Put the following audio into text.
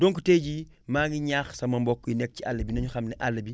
donc tey jii maa ngi ñaax sama mbokk yi nekk ci àll bi na ñu xam ne àll bi